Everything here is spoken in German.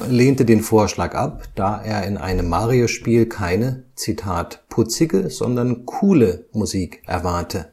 lehnte den Vorschlag ab, da er in einem Mario-Spiel keine „ putzig [e] “, sondern „ cool [e] “Musik erwarte